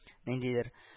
Ниндидер